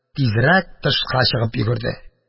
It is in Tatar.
Тизрәк тышка чыгып йөгерде.